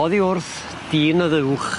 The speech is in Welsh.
Oddi wrth dyn y fuwch.